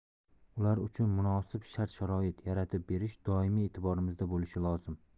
ular uchun munosib shart sharoit yaratib berish doimiy e'tiborimizda bo'lishi lozim